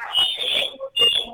Waunɛgɛnin